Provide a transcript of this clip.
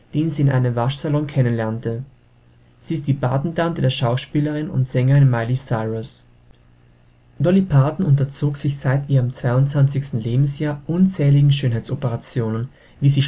sie in einem Waschsalon kennenlernte. Sie ist die Patentante der Schauspielerin und Sängerin Miley Cyrus. Dolly Parton unterzog sich seit ihrem 22. Lebensjahr unzähligen Schönheitsoperationen, wie sie